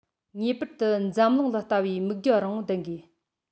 ངེས པར དུ འཛམ གླིང ལ ལྟ བའི མིག རྒྱང རིང པོ ལྡན དགོས